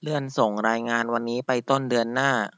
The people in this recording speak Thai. เลื่อนส่งรายงานวันนี้ไปต้นเดือนหน้า